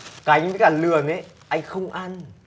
cánh với cả lườn ý anh không ăn